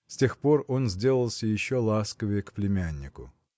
С тех пор он сделался еще ласковее к племяннику.